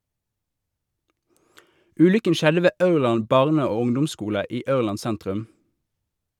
Ulykken skjedde ved Aurland barne- og ungdomsskole i Aurland sentrum.